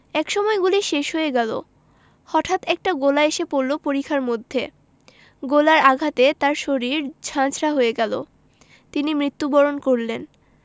একসময় গুলি শেষ হয়ে গেল হটাঠ একটা গোলা এসে পড়ল পরিখার মধ্যে গোলার আঘাতে তার শরীর ঝাঁঝরা হয়ে গেল তিনি মৃত্যুবরণ করলেন